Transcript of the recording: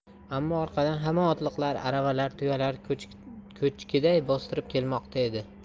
ammo orqadan hamon otliqlar aravalar tuyalar ko'chkiday bostirib kelmoqda edi